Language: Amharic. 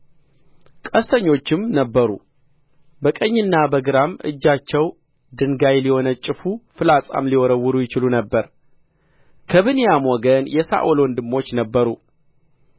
ቀስተኞችም ነበሩ በቀኝና በግራም እጃቸው ድንጋይ ሊወነጭፉ ፍላጻም ሊወረውሩ ይችሉ ነበር ከብንያም ወገን የሳኦል ወንድሞች ነበሩ